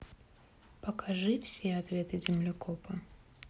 покажи все ответы землекопа